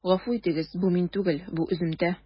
Гафу итегез, бу мин түгел, бу өземтә.